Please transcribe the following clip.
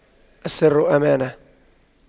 السر أمانة